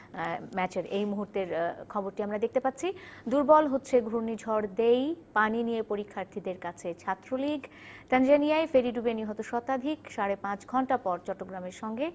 ম্যাচের এই মুহুর্তের খবর টি আমরা দেখতে পাচ্ছি দুর্বল হচ্ছে ঘূর্ণিঝড় দেই পানি নিয়ে পরীক্ষার্থীদের কাছে ছাত্রলীগ তানজানিয়ায় ফেরি ডুবে নিহত শতাধিক সাড়ে পাঁচ ঘণ্টা পর চট্টগ্রামের সঙ্গে